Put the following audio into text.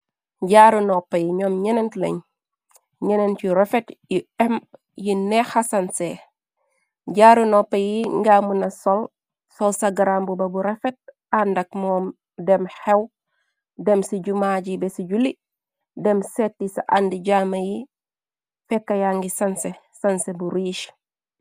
Jaaru noppa yi ñoom ñeneen lañ ñeneen yu refet yu em yi neexa sansee jaaru noppa yi ngamuna sol sow sa gramb ba bu refet àndak moo dem xew dem ci jumaaji be ci juli dem setti ca àndi jama yi fekkayangi sanse sanse bu riich.